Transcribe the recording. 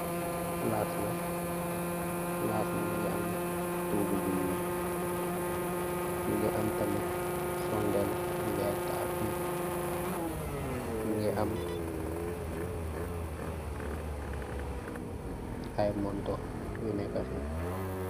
Plass lah. Plass bange am torgu bu njuul, munge am tamit sondel yu gai tal fi munge am ayy montorr yu neka fi.